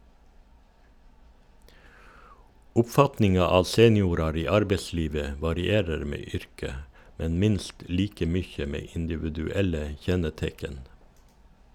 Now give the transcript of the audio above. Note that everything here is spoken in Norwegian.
Oppfatninga av seniorar i arbeidslivet varierer med yrke, men minst like mykje med individuelle kjenneteikn.